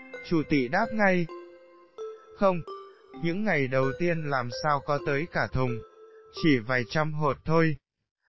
chủ tiệm không những ngày đầu tiên làm sao có tới cả thùng chỉ vài trăm hột thôi